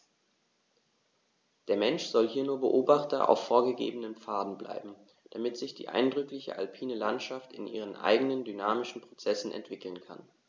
Der Mensch soll hier nur Beobachter auf vorgegebenen Pfaden bleiben, damit sich die eindrückliche alpine Landschaft in ihren eigenen dynamischen Prozessen entwickeln kann.